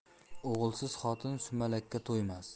o'g'ilsiz xotin sumakka to'ymas